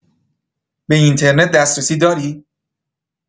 به اینترنت دسترسی داری؟